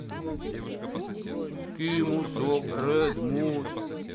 киму сок ред мун